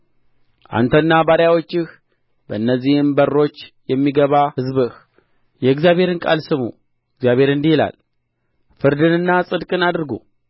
አንተና ባሪያዎችህ በእነዚህም በሮች የሚገባ ሕዝብህ የእግዚአብሔርን ቃል ስሙ እግዚአብሔር እንዲህ ይላል ፍርድንና ጽድቅን አድርጉ